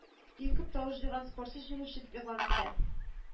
Иң күп тавыш җыйган спортчы җиңүче дип игълан ителә